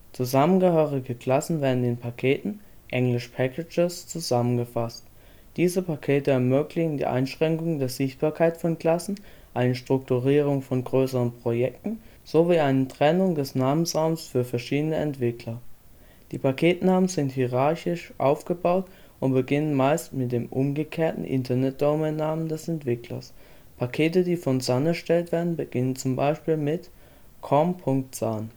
Zusammengehörige Klassen werden in Paketen (englisch packages) zusammengefasst. Diese Pakete ermöglichen die Einschränkung der Sichtbarkeit von Klassen, eine Strukturierung von größeren Projekten sowie eine Trennung des Namensraums für verschiedene Entwickler. Die Paketnamen sind hierarchisch aufgebaut und beginnen meist mit dem (umgekehrten) Internet-Domainnamen des Entwicklers. (Pakete, die von Sun erstellt werden, beginnen z. B. mit „ com.sun